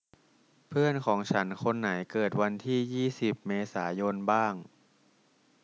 เพื่อนของฉันคนไหนเกิดวันที่ยี่สิบเมษายนบ้าง